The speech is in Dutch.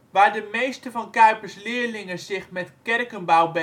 Waar de meeste van Cuypers ' leerlingen zich met kerkenbouw